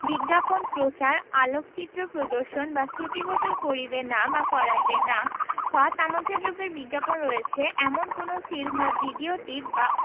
বিজ্ঞাপন প্রচার আলেঅকচিত্র প্রদর্শন বা শ্রুতিগোচর করিবে না বা করাইবে না খ তামাকজাত দ্রব্যের বিজ্ঞাপন রহিয়অছে এমন কোন ফিল্ম বা ভিড়িও টিপ বা